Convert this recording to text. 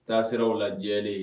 Taa sera o la jɛlen